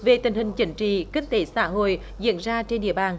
về tình hình chính trị kinh tế xã hội diễn ra trên địa bàn